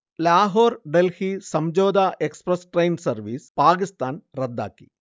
Lahore-Delhi Samjhauta express train service Pakistan റദ്ദാക്കി